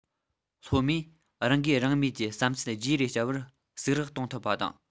སློབ མས རང འགུལ རང མོས ཀྱིས བསམ ཚུལ བརྗེ རེས བྱ བར ཟུག རེག གཏོང ཐུབ པ དང